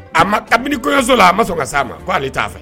A ma kabini kɔɲɔyɔso la a ma sɔn ka s' a ma k' ale t'a fɛ